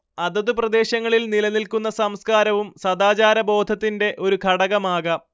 അതത് പ്രദേശങ്ങളിൽ നിലനിൽക്കുന്ന സംസ്കാരവും സദാചാരബോധത്തിന്റെ ഒരു ഘടകമാകാം